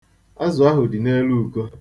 Azụ ahu ̣dị n'elu uko.